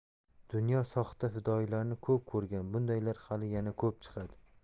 dunyo soxta fidoyilarni ko'p ko'rgan bundaylar hali yana ko'p chiqadi